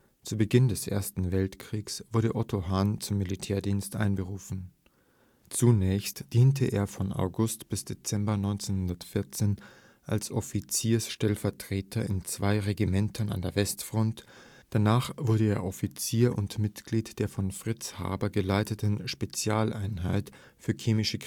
Zu Beginn des Ersten Weltkrieges wurde Otto Hahn zum Militärdienst einberufen. Zunächst diente er von August bis Dezember 1914 als Offiziersstellvertreter in zwei Regimentern an der Westfront, danach wurde er Offizier (Leutnant) und Mitglied der von Fritz Haber geleiteten Spezialeinheit für chemische